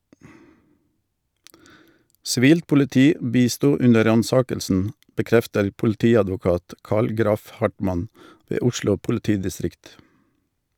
Sivilt politi bisto under ransakelsen, bekrefter politiadvokat Carl Graff Hartmann ved Oslo politidistrikt.